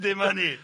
Ddim o hynny.